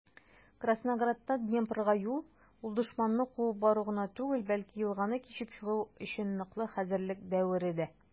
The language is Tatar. Краснограддан Днепрга юл - ул дошманны куып бару гына түгел, бәлки елганы кичеп чыгу өчен ныклы хәзерлек дәвере дә.